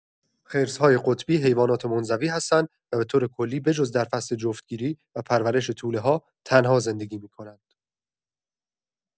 خرس‌های قطبی حیوانات منزوی هستند و به‌طور کلی به‌جز در فصل جفت‌گیری و پرورش توله‌ها تنها زندگی می‌کنند.